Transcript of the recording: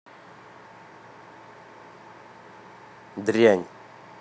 дрянь